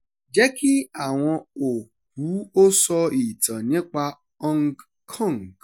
Jẹ́ kí àwọn òkú ó sọ ìtàn nípa Hong Kong